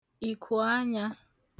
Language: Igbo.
ìkùanyā